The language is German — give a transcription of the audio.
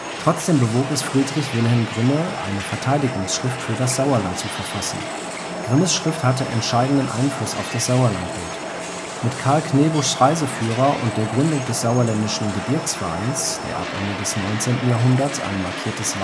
Trotzdem bewog es Friedrich Wilhelm Grimme, eine Verteidigungsschrift für das Sauerland zu verfassen. Grimmes Schrift hatte entscheidenden Einfluss auf das Sauerlandbild. Mit Karl Kneebuschs Reiseführer und der Gründung des Sauerländischen Gebirgsvereins, der ab Ende des 19. Jahrhunderts ein markiertes Wanderwegenetz